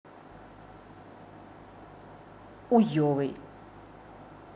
хуевый